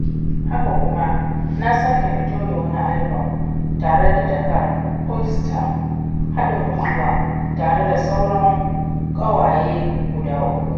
Haka kuma na sake fito da wani albon tare da Dakar All Stars, haɗin gwiwa tare da sauran gwaneye guda 3.